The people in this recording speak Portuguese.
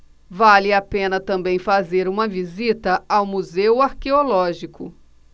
vale a pena também fazer uma visita ao museu arqueológico